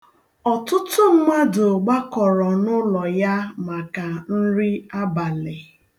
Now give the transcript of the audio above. Ọtụtụ mmadụ gbakọrọ n'ụlọ ya maka nri abalị.